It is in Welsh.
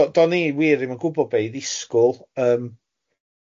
Do- do'n i wir ddim yn gwybod be' i ddisgwyl yym.